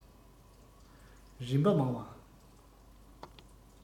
རིམ པ མང བ